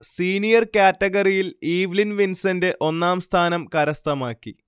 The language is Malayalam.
സീനിയർ കാറ്റഗറിയിൽ ഈവ്ലിൻ വിൻസെന്റ് ഒന്നാം സ്ഥാനം കരസ്ഥമാക്കി